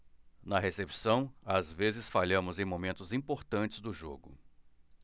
na recepção às vezes falhamos em momentos importantes do jogo